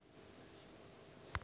погромче сделай